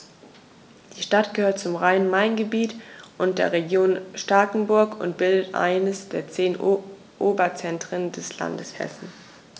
Die Stadt gehört zum Rhein-Main-Gebiet und der Region Starkenburg und bildet eines der zehn Oberzentren des Landes Hessen.